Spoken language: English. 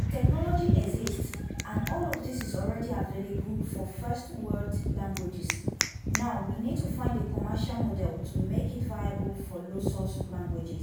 The technology exists and all of this is already available for first world languages, now we need to find a commercial model to make it viable for low-resource languages.